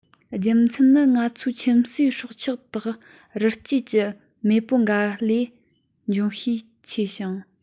རྒྱུ མཚན ནི ང ཚོའི ཁྱིམ གསོས སྲོག ཆགས དག རི སྐྱེས ཀྱི མེས པོ འགའ ལས འབྱུང ཤས ཆེ ཞིང